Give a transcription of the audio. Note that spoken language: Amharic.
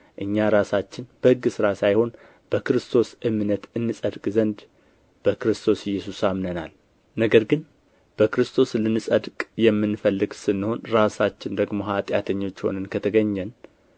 እኛ ራሳችን በሕግ ሥራ ሳይሆን በክርስቶስ እምነት እንጸድቅ ዘንድ በክርስቶስ ኢየሱስ አምነናል ነገር ግን በክርስቶስ ልንጸድቅ የምንፈልግ ስንሆን ራሳችን ደግሞ ኃጢአተኞች ሆነን ከተገኘን